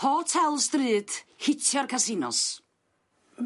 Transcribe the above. Hotels drud, hitio'r casinos.